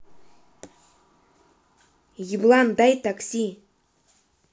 еблан дай такси